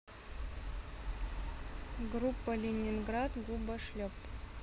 группа ленинград губошлеп